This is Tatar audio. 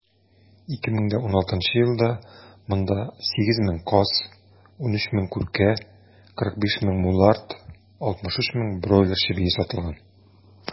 2016 елда монда 8 мең каз, 13 мең күркә, 45 мең мулард, 63 мең бройлер чебие сатылган.